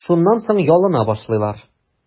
Шуннан соң ялына башлыйлар.